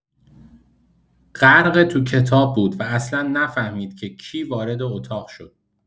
غرقه تو کتاب بود و اصلا نفهمید که کی وارد اتاق شد.